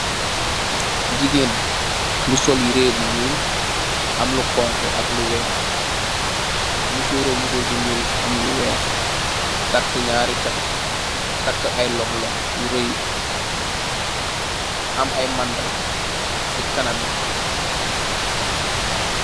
Jigeen bu sol yirèh bu ñuul am lu xonxu ak lu wèèx. Mesor ro mesor bu ñuul am lu wèèx, takka ñaari caxa, takka ay lonlon yu ray am ay mandarga ci kanam ngi.